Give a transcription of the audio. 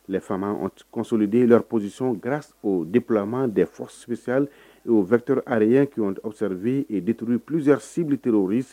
Les FAMAs ont consolidé leurs positions, c'est grace au déploiement des forces spéciales aux secteur aérien